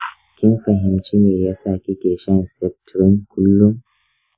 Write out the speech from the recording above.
kin fahimci meyasa kike shan septrin kullun?